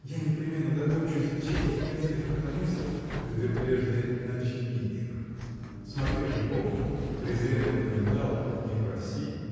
Я непременно докончу извлечения из немецких экономистов. – Да ты прежде начни их. Смотри же помни презренного металла не проси